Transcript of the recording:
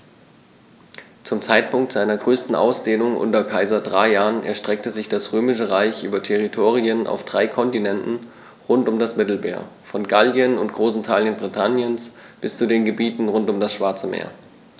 Zum Zeitpunkt seiner größten Ausdehnung unter Kaiser Trajan erstreckte sich das Römische Reich über Territorien auf drei Kontinenten rund um das Mittelmeer: Von Gallien und großen Teilen Britanniens bis zu den Gebieten rund um das Schwarze Meer.